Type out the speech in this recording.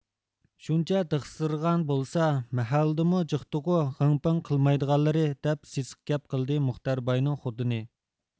شۇنچە دىخسىرىغان بولسا مەھەللىدىمۇ جىقتىغۇ غىڭ پىڭ قىلمايدىغانلىرى دەپ سېسىق گەپ قىلدى مۇختەر باينىڭ خوتۇنى